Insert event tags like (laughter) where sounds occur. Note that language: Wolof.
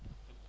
(hesitation) (hesitation)